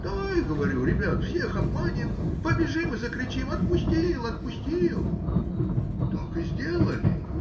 Давай, говорю, ребята, всех обманем, побежим и закричим: отпустил, отпустил! Так и сделали